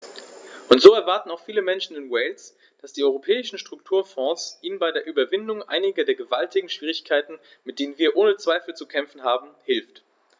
Und so erwarten auch viele Menschen in Wales, dass die Europäischen Strukturfonds ihnen bei der Überwindung einiger der gewaltigen Schwierigkeiten, mit denen wir ohne Zweifel zu kämpfen haben, hilft.